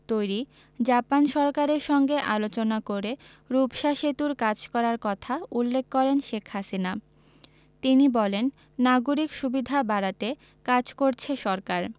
তৈরি জাপান সরকারের সঙ্গে আলোচনা করে রূপসা সেতুর কাজ করার কথা উল্লেখ করেন শেখ হাসিনা তিনি বলেন নাগরিক সুবিধা বাড়াতে কাজ করছে সরকার